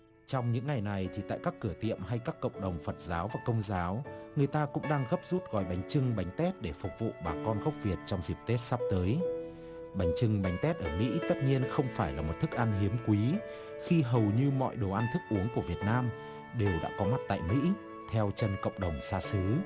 trong những ngày này thì tại các cửa tiệm hay các cộng đồng phật giáo công giáo người ta cũng đang gấp rút gói bánh chưng bánh tét để phục vụ bà con gốc việt trong dịp tết sắp tới bánh chưng bánh tét ở mỹ tất nhiên không phải là một thức ăn hiếm quý khi hầu như mọi đồ ăn thức uống của việt nam đều đã có mặt tại mỹ theo chân cột đồng xa xứ